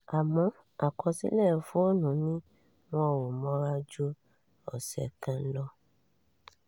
Àmọ́ àkọsílẹ̀ fóònù ní wọn ‘ò mọra ju ọ̀sẹ̀ kan lọ.